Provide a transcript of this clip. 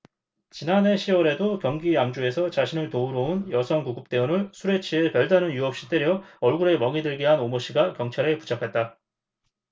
지난해 시 월에도 경기 양주에서 자신을 도우러 온 여성 구급대원을 술에 취해 별다른 이유 없이 때려 얼굴에 멍이 들게 한 오모씨가 경찰에 붙잡혔다